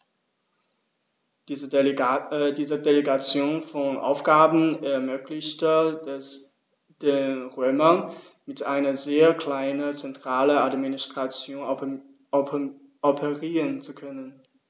Diese Delegation von Aufgaben ermöglichte es den Römern, mit einer sehr kleinen zentralen Administration operieren zu können.